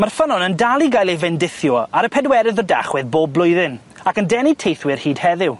Ma'r ffynnon yn dal i gael ei fendithio ar y pedwerydd o Dachwedd bob blwyddyn, ac yn denu teithwyr hyd heddiw.